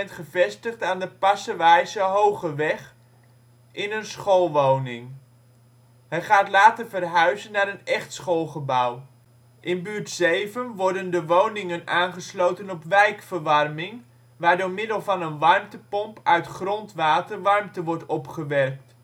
gevestigd aan de Passewaayse Hogeweg in een schoolwoning. Hij gaat later verhuizen naar een echt schoolgebouw. In Buurt 7 worden de woning aangesloten op wijkverwarming, waar door middel van een warmtepomp uit grondwater warmte wordt opgewerkt